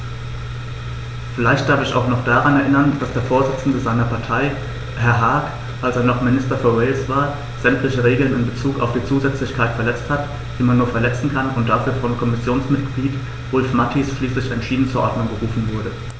Vielleicht darf ich ihn auch daran erinnern, dass der Vorsitzende seiner Partei, Herr Hague, als er noch Minister für Wales war, sämtliche Regeln in bezug auf die Zusätzlichkeit verletzt hat, die man nur verletzen kann, und dafür von Kommissionsmitglied Wulf-Mathies schriftlich entschieden zur Ordnung gerufen wurde.